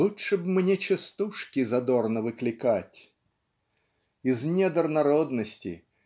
"Лучше б мне частушки задорно выкликать". Из недр народности